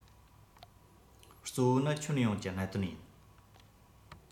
གཙོ བོ ནི ཁྱོན ཡོངས ཀྱི གནད དོན ཡིན